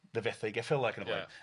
ddifetha ei geffyla ac yn y blaen. Ia.